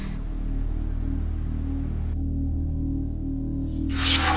chúng